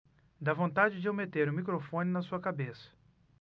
dá vontade de eu meter o microfone na sua cabeça